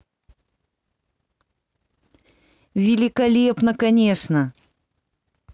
великолепно конечно